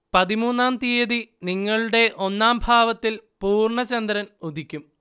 പതിമൂന്നാം തീയതി നിങ്ങളുടെ ഒന്നാം ഭാവത്തിൽ പൂർണ ചന്ദ്രൻ ഉദിക്കും